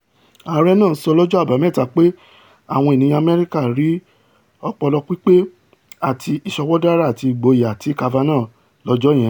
Ààrẹ náà sọ lọ́jọ́ Àbámẹ́ta pé ''Àwọn ènìyàn Amẹ́ríkà rí ọpọlọ pípé àti ìsọwọ́dára àti ìgboyà'' ti Kavanaugh lọ́jọ́ yẹn.